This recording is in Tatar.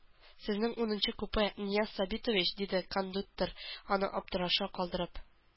Сезнең унынчы купе, Нияз Сабитович, диде кондуктор, аны аптырашта калдырып.